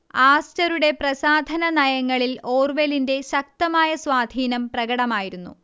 ആസ്റ്ററുടെ പ്രസാധനനയങ്ങളിൽ ഓർവെലിന്റെ ശക്തമായ സ്വാധീനം പ്രകടമായിരുന്നു